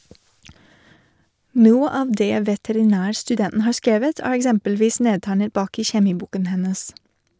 Noe av det veterinærstudenten har skrevet, er eksempelvis nedtegnet bak i kjemiboken hennes.